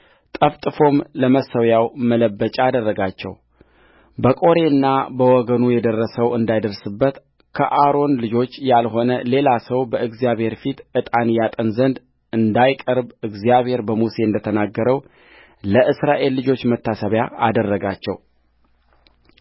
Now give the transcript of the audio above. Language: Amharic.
ጠፍጥፎም ለመሠዊያው መለበጫ አደረጋቸውበቆሬና በወገኑ የደረሰው እንዳይደርስበት ከአሮን ልጆች ያልሆነ ሌላ ሰው በእግዚአብሔር ፊት ዕጣን ያጥን ዘንድ እንዳይቀርብ እግዚአብሔር በሙሴ እንደ ተናገረው ለእስራኤል ልጆች መታሰቢያ አደረጋቸው